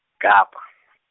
Kapa .